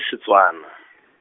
Setswana .